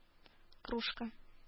Кружка